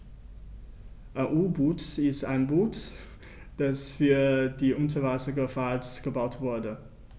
Ein U-Boot ist ein Boot, das für die Unterwasserfahrt gebaut wurde.